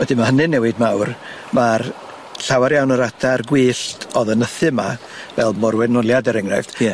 Wedyn ma' hynny'n newid mawr ma'r llawer iawn o'r adar gwyllt o'dd yn nythu yma fel Morwenoliad er enghraifft Ie.